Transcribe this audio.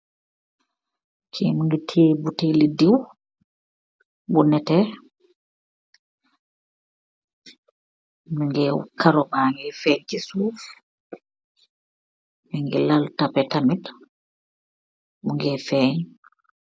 kee mou nye tehy boutel li diu bou neteh, caro baa ngeh fenn si shof, mou nye lal Capet tamit mou ngeh fenn.